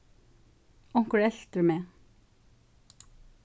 onkur eltir meg